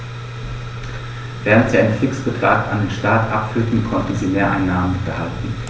Während sie einen Fixbetrag an den Staat abführten, konnten sie Mehreinnahmen behalten.